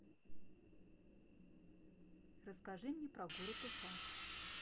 расскажи мне про город уфа